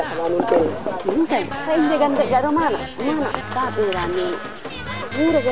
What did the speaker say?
a waña manam nu ndeta nga bo saxada xala fad manam ne refa ka ando naye a yaqa na nuun